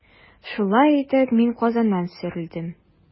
Шулай итеп, мин Казаннан сөрелдем.